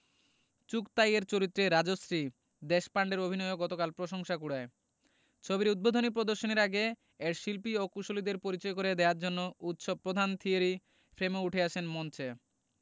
চুগতাইয়ের চরিত্রে রাজশ্রী দেশপান্ডের অভিনয়ও গতকাল প্রশংসা কুড়ায় ছবির উদ্বোধনী প্রদর্শনীর আগে এর শিল্পী ও কুশলীদের পরিচয় করিয়ে দেওয়ার জন্য উৎসব প্রধান থিয়েরি ফ্রেমো উঠে আসেন মঞ্চে